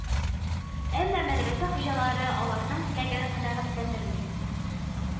Әмма мәдрәсә хуҗалары ал арның теләген канәгатьләндерми.